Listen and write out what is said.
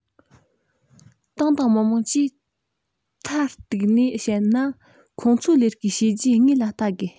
ཏང དང མི དམངས ཀྱིས མཐར གཏུགས ནས བཤད ན ཁོང ཚོའི ལས ཀའི བྱས རྗེས དངོས ལ བལྟ དགོས